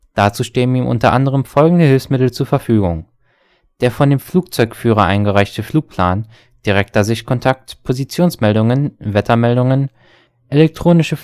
Dazu stehen ihm u. a. folgende Hilfsmittel zur Verfügung: der von dem Flugzeugführer eingereichte Flugplan, direkter Sichtkontakt, Positionsmeldungen, Wettermeldungen, elektronische